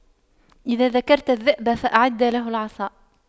إذا ذكرت الذئب فأعد له العصا